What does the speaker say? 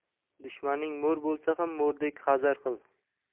dushmaning mo'r bo'lsa mo'rdek hazar qil